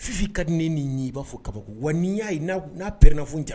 Fifi ka di ne nin i b'a fɔ kabako wa ni y'a ye n'a pɛrɛnna fɔ n ja bɛ tigɛ